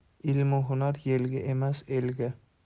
ilm u hunar yelga emas elga